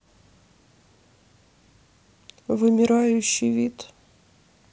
вымирающий вид